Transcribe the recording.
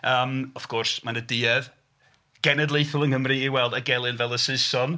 Yym wrth gwrs mae 'na duedd genedlaethol yng Nghymru i weld y gelyn fel y Saeson.